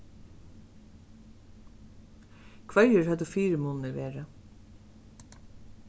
hvørjir høvdu fyrimunirnir verið